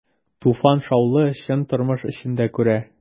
Туфан шаулы, чын тормыш эчендә күрә.